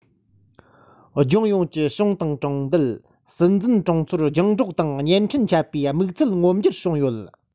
ལྗོངས ཡོངས ཀྱི ཤང གྲོང རྡལ དང སྲིད འཛིན གྲོང ཚོར རྒྱང བསྒྲགས དང བརྙན འཕྲིན ཁྱབ པའི དམིགས ཚད མངོན འགྱུར བྱུང ཡོད